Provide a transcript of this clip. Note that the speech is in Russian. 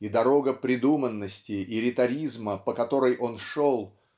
и дорога придуманности и риторизма по которой он шел